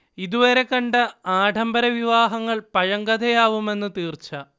ഇതുവരെ കണ്ട ആഢംബര വിവാഹങ്ങൾ പഴങ്കഥയാവുമെന്നു തീർച്ച